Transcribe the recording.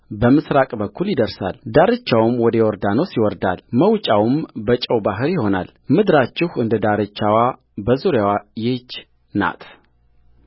በምሥራቅ በኩል ይደርሳልዳርቻውም ወደ ዮርዳኖስ ይወርዳል መውጫውም በጨው ባሕር ይሆናል ምድራችሁ እንደ ዳርቻዋ በዙሪያዋ ይህች ናት